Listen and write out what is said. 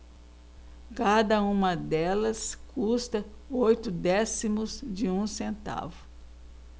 cada uma delas custa oito décimos de um centavo